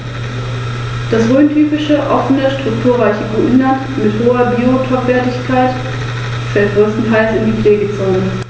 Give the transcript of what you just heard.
Die Stacheligel haben als wirksame Verteidigungswaffe Stacheln am Rücken und an den Flanken (beim Braunbrustigel sind es etwa sechs- bis achttausend).